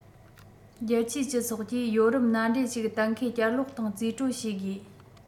རྒྱལ སྤྱིའི སྤྱི ཚོགས ཀྱིས ཡོ རོབ མནའ འབྲེལ ཞིག གཏན འཁེལ བསྐྱར ལོག དང རྩིས སྤྲོད བྱེད དགོས